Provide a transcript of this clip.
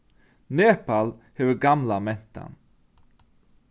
nepal hevur gamla mentan